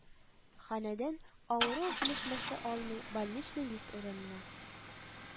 Ханәдән авыру белешмәсе алмый «больничный лист» урынына